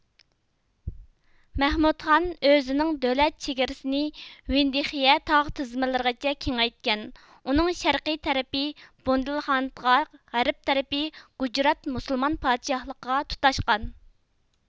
مەھمۇدخان ئۆزىنىڭ دۆلەت چېگرىسىنى ۋىندخىيە تاغ تىزمىلىرىغىچە كېڭەيتكەن ئۇنىڭ شەرقىي تەرىپى بوندېلخاندغا غەرپ تەرىپى گۇجرات مۇسۇلمان پادىشاھلىقىغا تۇتاشقان